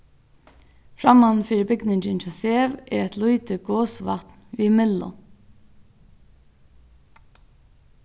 framman fyri bygningin hjá sev er eitt lítið gosvatn við myllu